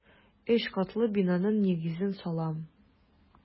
Өч катлы бинаның нигезен салам.